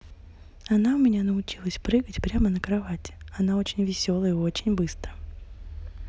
она у меня научилась прыгать прямо на кровати она очень веселая и очень быстро